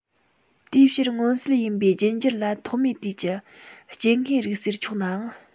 དེའི ཕྱིར མངོན གསལ ཡིན པའི རྒྱུད འགྱུར ལ ཐོག མའི དུས ཀྱི སྐྱེ དངོས རིགས ཟེར ཆོག ནའང